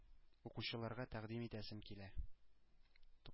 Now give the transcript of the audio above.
Укучыларга тәкъдим итәсем килә: